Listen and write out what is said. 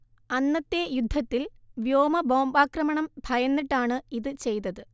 അന്നത്തെ യുദ്ധത്തിൽ വ്യോമ ബോംബാക്രമണം ഭയന്നിട്ടാണ് ഇത് ചെയ്തത്